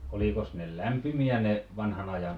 olikos ne lämpimiä ne vanhan ajan